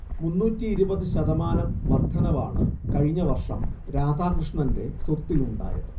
മുന്നൂറ്റിഇരുപത് ശതമാനം വർദ്ധനവാണ് കഴിഞ്ഞ വർഷം രാധാകൃഷ്ണന്റെ സ്വത്തിലുണ്ടായത്